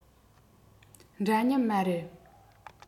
འདྲ མཉམ མ རེད